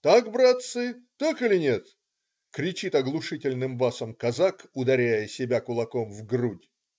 Так, братцы, так или нет?!" - кричит оглушительным басом казак, ударяя себя кулаком в грудь.